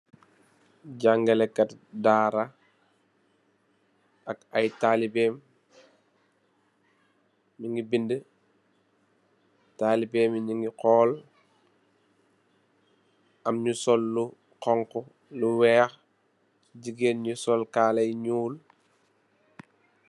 Jangalekat dara ak ay talibem ñu ngi bindi talibem yi ñu ngi xool, am ñu sol lu xonxu ak lu wèèx. Jigeen ñi sol kala yu ñuul.